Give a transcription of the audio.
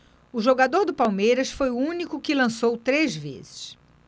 o jogador do palmeiras foi o único que lançou três vezes